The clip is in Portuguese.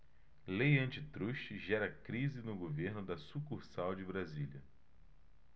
lei antitruste gera crise no governo da sucursal de brasília